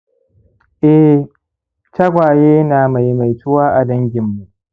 eh, tagwaye na maimaituwa a dangin mu